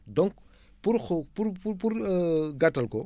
donc pour xoo pour pour gàttal ko